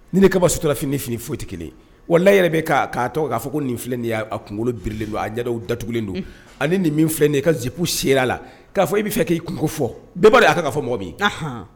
Ni de kama sutura fini ni fini fosi tɛ kelen ye walahi ɛ yɛrɛ bɛ a tɔgɔ k'a fɔ ko nin filɛ nin y'a kunkolo birilen don, ɲɛda dogolen don, unhun, ani nin filɛ nin ye, ka jupe serrer la, k'a fɔ k'e bɛ fɛ k'i kungo fɔ bɛɛ b'a dɔn, a kan ka fɔ mɔgɔ min, anhan.